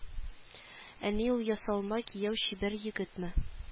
Әни ул ясалма кияү чибәр егетме